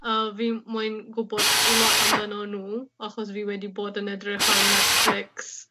A fi'n moyn gwbod lot amdano nw, achos fi wedi bod yn edrych ar Netflix.